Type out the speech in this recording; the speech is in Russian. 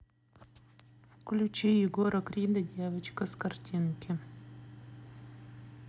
включи егора крида девочка с картинки